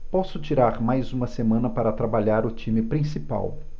posso tirar mais uma semana para trabalhar o time principal